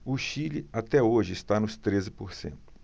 o chile até hoje está nos treze por cento